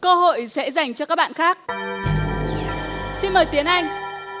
cơ hội sẽ dành cho các bạn khác xin mời tiến anh